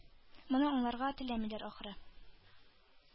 Моны аңларга теләмиләр, ахры.